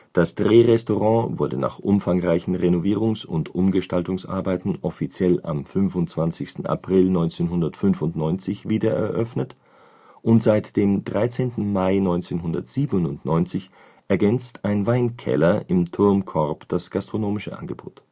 das Drehrestaurant wurde nach umfangreichen Renovierungs - und Umgestaltungsarbeiten offiziell am 25. April 1995 wiedereröffnet, und seit dem 13. Mai 1997 ergänzt ein Weinkeller im Turmkorb das gastronomische Angebot